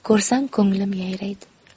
ko'rsam ko'nglim yayraydi